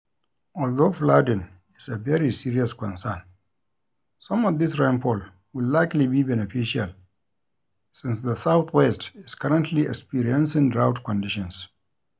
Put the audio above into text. Although flooding is a very serious concern, some of this rainfall will likely be beneficial since the Southwest is currently experiencing drought conditions.